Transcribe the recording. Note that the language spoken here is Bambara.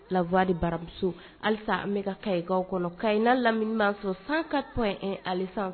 Lawa de baramuso halisa an bɛka ka kakaw kɔnɔ ka in na laminisɔrɔ san ka tɔn alisa